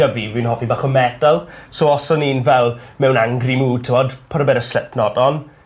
'Da fi fi'n hoffi bach o metal so os o'n i'n fel mewn angry mood t'mod? Pur a bit o' Slipknot on.